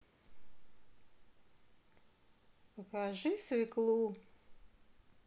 покажи свеклу